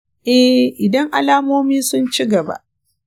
eh, idan alamomin sun ci gaba